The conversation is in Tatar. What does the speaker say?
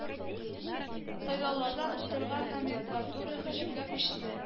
Сайлауларда оттырган номенклатура һөҗүмгә күчте